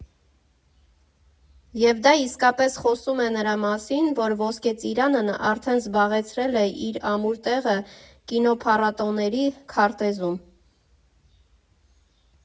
Եվ դա իսկապես խոսում է նրա մասին, որ Ոսկե ծիրանն արդեն զբաղեցրել է իր ամուր տեղը կինոփառատոների քարտեզում։